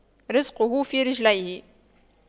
رِزْقُه في رجليه